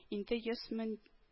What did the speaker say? Инде йөз мең